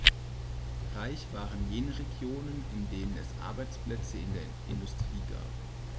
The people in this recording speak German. Reich waren jene Regionen, in denen es Arbeitsplätze in der Industrie gab.